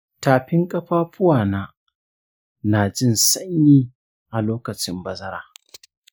tafin ƙafafuwana najin sanyi a lokacin bazara.